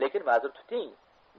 lekin mazur tuting